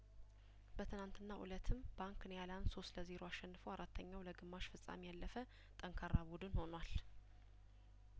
በትናንትናው እለትም ባንክ ኒያላን ሶስት ለዜሮ አሸንፎ አራተኛው ለግማሽ ፍጻሜ ያለፈ ጠንካራ ቡድን ሆኗል